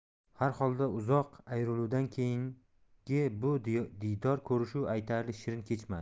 harholda uzoq ayriluvdan keyingi bu diydor ko'rishuv aytarli shirin kechmadi